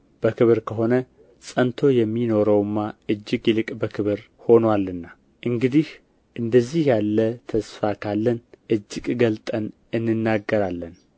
በክብር ከሆነ ጸንቶ የሚኖረውማ እጅግ ይልቅ በክብር ሆኖአልና እንግዲህ እንዲህ ያለ ተስፋ ካለን እጅግ ገልጠን እንናገራለን